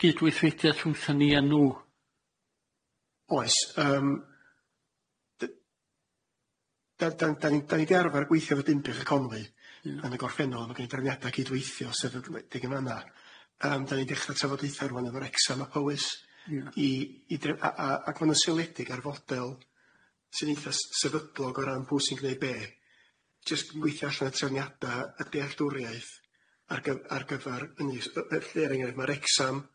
cydweithweidiaeth rhwngthyn ni a nhw? Oes yym d- da da ni di arfar gweithio efo Dinbych a Conwy yn y gorffennol a ma ganno ni drefniada cydweithio sefydledig yn fana. Yym da ni di dechra trafodiaetha efo Wrecsam a Powys i i a ma nhw 'n seiliedig ar fodel sy'n eitha sefydlog o ran pwy sy'n neud be, jyst yn gweithio allan y trefniadau a dealltwriaeth ar ar gyfer, er enghraifft yn Wrecsam